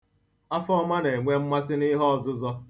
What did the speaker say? Afọma na-enwe mmasị n'ihe ọzụzọ.